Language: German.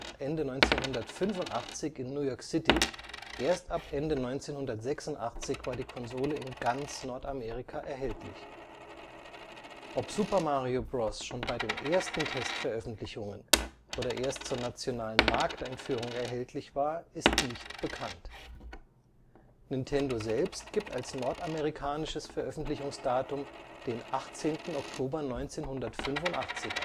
Ende 1985 in New York City; erst ab Ende 1986 war die Konsole in ganz Nordamerika erhältlich. Ob Super Mario Bros. schon bei den ersten Test-Veröffentlichungen oder erst zur nationalen Markteinführung erhältlich war, ist nicht bekannt. Nintendo selbst gibt als nordamerikanisches Veröffentlichungsdatum den 18. Oktober 1985